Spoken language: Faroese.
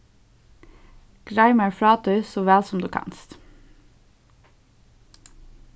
greið mær frá tí so væl sum tú kanst